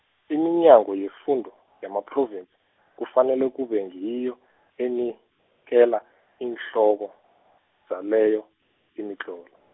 iminyango yefundo, yamaPhrovinsi kufanele kube ngiyo, enikela iinhloko, zaleyo imitlolo.